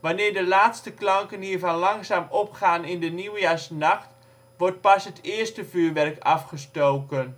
Wanneer de laatste klanken hiervan langzaam opgaan in de Nieuwjaarsnacht wordt pas het eerste vuurwerk afgestoken